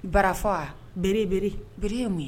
Bara fɔ bere bere bereere ye mun ye